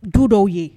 Du dɔw ye